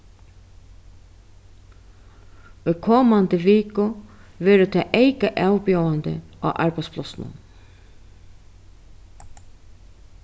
í komandi viku verður tað eyka avbjóðandi á arbeiðsplássinum